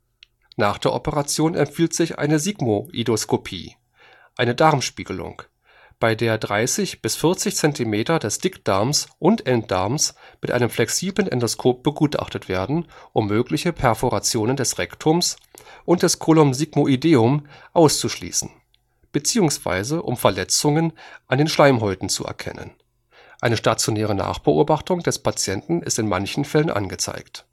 Nach der Operation empfiehlt sich eine Sigmoidoskopie – eine Darmspiegelung, bei der 30 bis 40 Zentimeter des Dickdarmes und Enddarmes mit einem flexiblem Endoskop begutachtet werden – um mögliche Perforationen des Rektums und des Colon sigmoideum auszuschließen, beziehungsweise um Verletzungen an den Schleimhäuten zu erkennen. Eine stationäre Nachbeobachtung des Patienten ist in manchen Fällen angezeigt